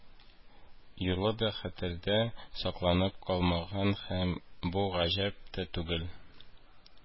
Юлы да хәтердә сакланып калмаган һәм бу гаҗәп тә түгел